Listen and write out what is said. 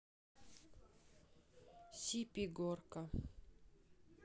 сипи горка